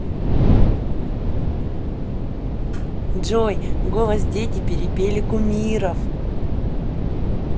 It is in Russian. джой голос дети перепели кумиров